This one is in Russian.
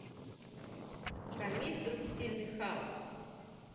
камиль друг сильный халк